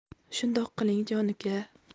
shundoq qiling jon uka